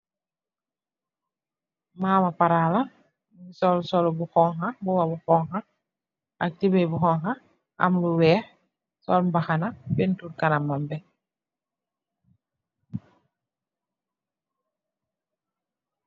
Maama para la bu sollu sollu bu xoñxu, mbuba bu xoñxa ak tubooy bu xoñxu, am lu weex, sol mbaxana, peentir kanamam.